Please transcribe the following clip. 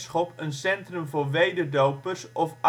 voor wederdopers of anabaptisten